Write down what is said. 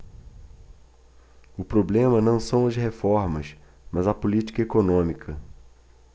o problema não são as reformas mas a política econômica